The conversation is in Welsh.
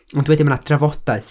Ond wedyn ma' 'na drafodaeth.